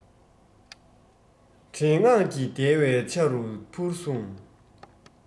བྲེད དངངས ཀྱིས བརྡལ བའི ཆ རུ དང ཕུར ཟུངས